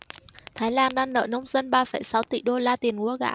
thái lan đang nợ nông dân ba phẩy sáu tỷ đô la tiền lúa gạo